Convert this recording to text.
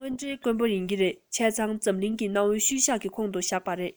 དངོས འབྲེལ དཀོན པོ ཡིན གྱི རེད བྱས ཙང འཛམ གླིང གི གནའ བོའི ཤུལ བཞག ཁོངས སུ བཞག པ རེད